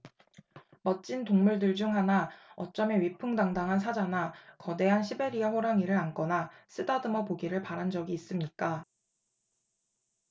멋진 동물들 중 하나 어쩌면 위풍당당한 사자나 거대한 시베리아호랑이를 안거나 쓰다듬어 보기를 바란 적이 있습니까